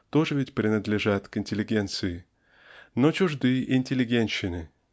тоже ведь принадлежат к интеллигенции но чужды "интеллигентщины".